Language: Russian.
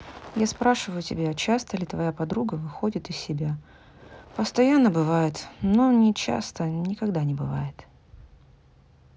я спрашиваю тебя часто ли твоя подруга выходит из себя постоянно бывает но не часто никогда не бывает